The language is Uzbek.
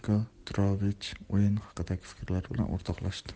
drulovich o'yin haqidagi fikrlari bilan o'rtoqlashdi